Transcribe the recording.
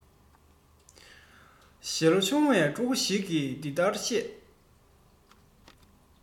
ཞེས ལོ ཆུང བའི ཕྲུ གུ ཞིག གི འདི ལྟར གཤས